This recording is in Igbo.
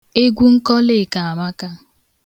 Egwu Nkọlịka amaka.